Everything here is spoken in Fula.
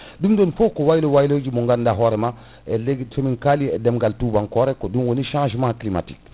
ɗum ɗon foof ko waylo waylo ji mo gandanɗa hoorema somin kali e ɗemgal tubankore ko ɗum woni changement climatique